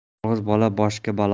yolg'iz bola boshga balo